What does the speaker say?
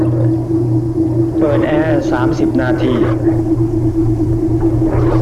เปิดแอร์สามสิบนาที